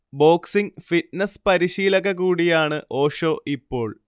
boxing, fitness പരിശീലക കൂടിയാണ് ഓഷോ ഇപ്പോൾ